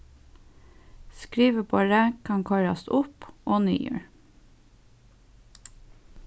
skriviborðið kann koyrast upp og niður